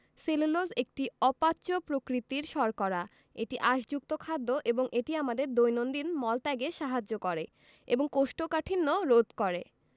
cellulose একটি অপাচ্য প্রকৃতির শর্করা এটি আঁশযুক্ত খাদ্য এবং এটি আমাদের দৈনন্দিন মল ত্যাগে সাহায্য করে এবং কোষ্ঠকাঠিন্য রোধ করে